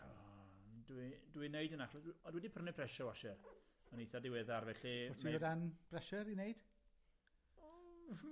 O, ond dwi dwi'n neud ynna achos dwi o dwi 'di prynu pressure washer, yn eitha diweddar, felly... O't ti o dan bressure i wneud? O!